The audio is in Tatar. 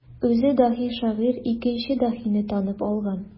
Үзе даһи шагыйрь икенче даһине танып алган.